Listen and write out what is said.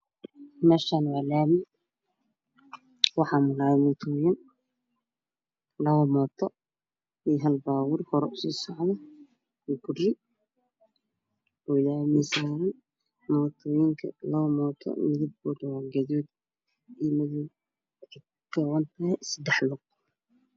Meshaan waa lami waxa maraayo mootooyin lapa mooto halpaapuurna horo usiisocdo lapa pagi oo lami saaran lapa mooto midapkoodu waa gaduud waxeyna leedahay sadax lug